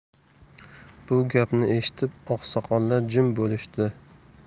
bu gapni eshitib oqsoqollar jim bo'lishdi